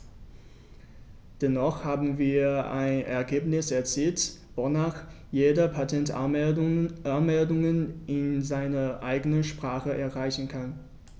Dennoch haben wir ein Ergebnis erzielt, wonach jeder Patentanmeldungen in seiner eigenen Sprache einreichen kann.